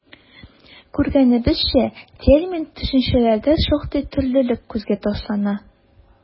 Күргәнебезчә, термин-төшенчәләрдә шактый төрлелек күзгә ташлана.